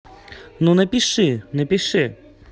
ну напиши напиши